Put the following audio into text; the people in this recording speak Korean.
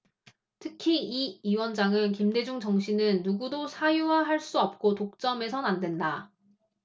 특히 이 위원장은 김대중 정신은 누구도 사유화 할 수 없고 독점해선 안 된다